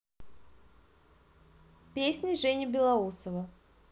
песни жени белоусова